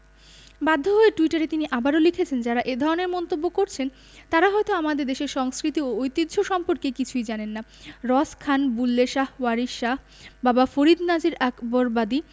বাধ্য হয়ে টুইটারে তিনি আবারও লিখেছেন যাঁরা এ ধরনের মন্তব্য করছেন তাঁরা হয়তো আমাদের দেশের সংস্কৃতি এবং ঐতিহ্য সম্পর্কে কিছুই জানেন না রস খান বুল্লে শাহ ওয়ারিশ শাহ বাবা ফরিদ নজির আকবরবাদি